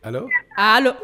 Alaaa